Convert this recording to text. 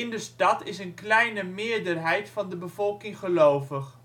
de stad is een kleine meerderheid van de bevolking gelovig